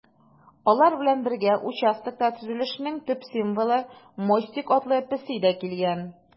Алар белән бергә участокта төзелешнең төп символы - Мостик атлы песи дә килгән.